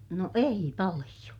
no ei paljon